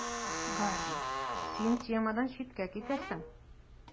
Гарри: Син темадан читкә китәсең.